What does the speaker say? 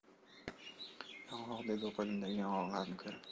yong'oq dedi u qo'limdagi yong'oqlarni ko'rib